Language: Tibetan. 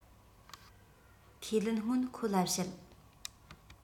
ཁས ལེན སྔོན ཁོ ལ བཤད